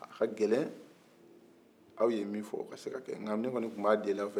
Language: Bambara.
a ka gɛlɛn aw ye min fɔ o ka se ka kɛ nka ne kɔni tun b'a deli aw fɛ